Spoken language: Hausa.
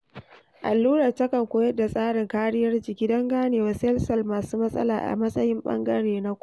Allurar takan koyar da tsarin kariya jiki don ganewa sel-sel masu matsala a matsayin ɓangare na kula